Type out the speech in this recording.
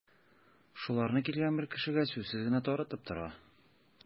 Шуларны килгән бер кешегә сүзсез генә таратып тора.